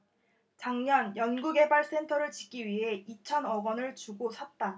작년 연구개발센터를 짓기 위해 이천 억원을 주고 샀다